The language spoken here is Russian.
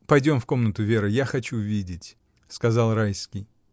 — Пойдем в комнату Веры: я хочу видеть! — сказал Райский.